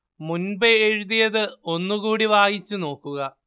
മുന്‍പെ എഴുതിയത് ഒന്നു കൂടി വായിച്ചു നോക്കുക